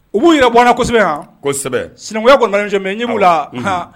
U b'u yɛrɛ bɔn’an kosɛbɛ, kosɛbɛ sinankunya kɔni b’an ranger mais ɲɛ b’u la, ahan